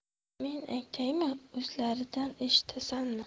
men aytaymi o'zlaridan eshitasanmi